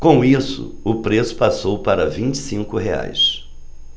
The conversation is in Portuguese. com isso o preço passou para vinte e cinco reais